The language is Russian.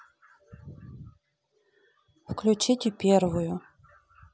включите первую